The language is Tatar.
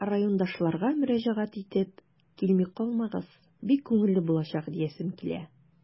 Райондашларга мөрәҗәгать итеп, килми калмагыз, бик күңелле булачак диясем килә.